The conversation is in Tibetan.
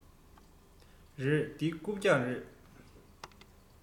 རེད འདི རྐུབ བཀྱག རེད